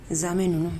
N zana ninnu